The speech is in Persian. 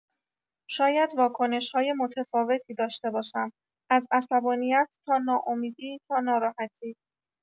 شاید واکنش‌های متفاوتی داشته باشم، از عصبانیت تا ناامیدی تا ناراحتی.